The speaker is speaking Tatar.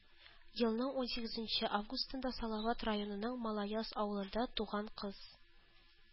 Елның унсигезенче августында салават районының малаяз авылында туган кыз